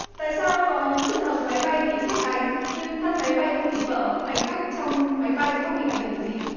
tại sao có những trường hợp máy bay bị sét đánh nhưng thân máy bay không bị vỡ hành khách trong máy bay không bị ảnh hưởng gì